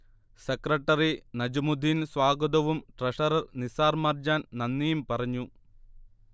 secretary Najmuddin സ്വാഗതവും treasurer Nisar Marjan നന്ദിയും പറഞ്ഞു